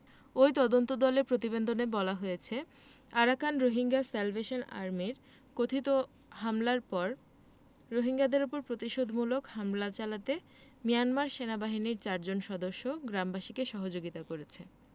ওই তদন্তদলের প্রতিবেদনে বলা হয়েছে আরাকান রোহিঙ্গা স্যালভেশন আর্মির কথিত হামলার পর রোহিঙ্গাদের ওপর প্রতিশোধমূলক হামলা চালাতে মিয়ানমার সেনাবাহিনীর চারজন সদস্য গ্রামবাসীকে সহযোগিতা করেছে